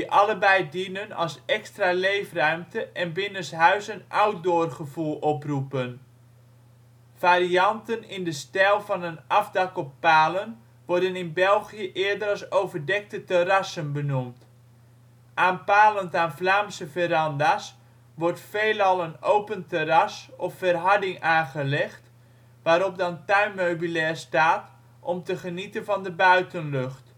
allebei dienen als extra leefruimte en binnenshuis een " outdoor-gevoel " oproepen. Varianten in de stijl van een afdak op palen worden in België eerder als overdekte terrassen benoemd. Aanpalend aan Vlaamse veranda 's wordt veelal een open terras of verharding aangelegd waarop dan tuinmeubilair staat om te genieten van de buitenlucht